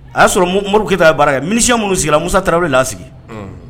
A y'a sɔrɔ Modibo Keyita ye baara kɛ miliciens minnu sigira Musa Tarawele y'a sigi.